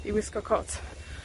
I wisgo cot.